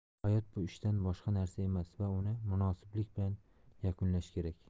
hayot bu ishdan boshqa narsa emas va uni munosiblik bilan yakunlash kerak